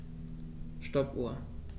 Stoppuhr.